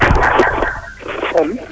allo